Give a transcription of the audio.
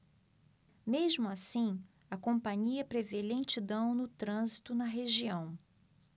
mesmo assim a companhia prevê lentidão no trânsito na região